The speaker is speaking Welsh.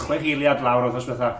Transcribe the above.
Chwech eiliad lawr wthos dwetha.